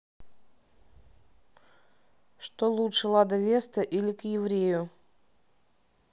что лучше лада веста или к еврею